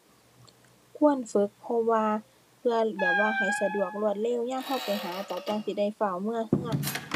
ควรฝึก เพราะว่าเพื่อแบบว่าให้สะดวก รวดเร็ว ยามเราไปหาเราจั่งสิได้ฟ้าวเมือเรา